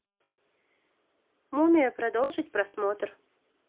мумия продолжить просмотр